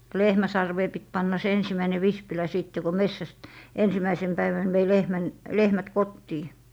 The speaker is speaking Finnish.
lehmän sarveen piti panna se ensimmäinen vispilä sitten kun metsästä ensimmäisenä päivänä vei lehmän lehmät kotiin